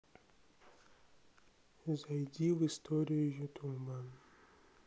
зайди в историю ютуба